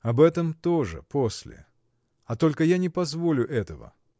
— Об этом тоже — после, а только я не позволю этого.